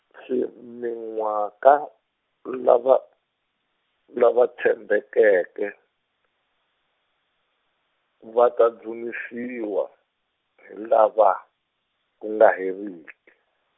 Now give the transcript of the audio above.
tsemiwaka lava, lava tshembekeke, va ta dzunisiwa xilava ku nga heriki.